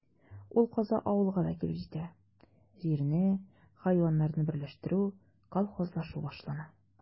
Ул каза авылга да килеп җитә: җирне, хайваннарны берләштерү, колхозлашу башлана.